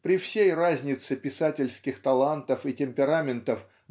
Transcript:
при всей разнице писательских талантов и темпераментов